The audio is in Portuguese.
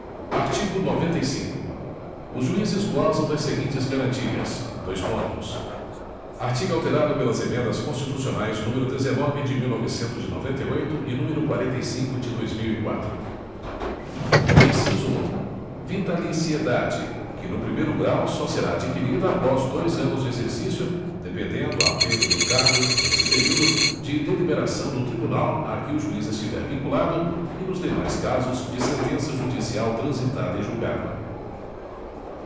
artigo noventa e cinco os juízes gozam das seguintes garantias dois pontos artigo alterado pelas emendas constitucionais número dezenove de mil novecentos e noventa e oito e número quarenta e cinco de dois mil e quatro inciso um vitaliciedade que no primeiro grau só será adquirida após dois anos de exercício dependendo a perda do cargo nesse período de deliberação do tribunal a que o juiz estiver vinculado e nos demais casos de sentença judicial transitada em julgado